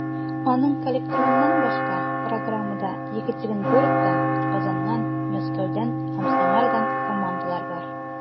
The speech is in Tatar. Аның коллективыннан башка, программада Екатеринбургтан, Казаннан, Мәскәүдән һәм Самарадан командалар бар.